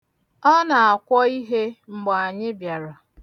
Ọ na-akwọ ihe mgbe anyị bịara.